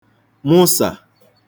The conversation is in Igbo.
mụsà